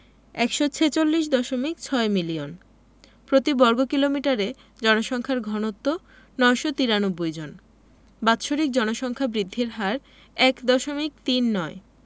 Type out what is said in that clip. ১৪৬দশমিক ৬ million প্রতি বর্গ কিলোমিটারে জনসংখ্যার ঘনত্ব ৯৯৩ জন বাৎসরিক জনসংখ্যা বৃদ্ধির হার ১দশমিক তিন নয়